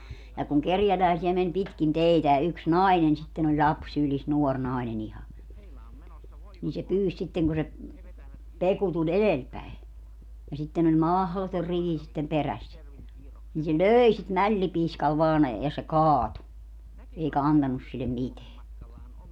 ja kun kerjäläisiä meni pitkin teitä ja yksi nainen sitten oli lapsi sylissä nuori nainen ihan niin se pyysi sitten kun se Peku tuli edelläpäin ja sitten oli mahdoton rivi sitten perässä niin se löi sitä mällipiiskalla vain ja se kaatui eikä antanut sille mitään